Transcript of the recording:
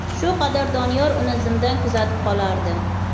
shu qadar doniyor uni zimdan kuzatib qolardi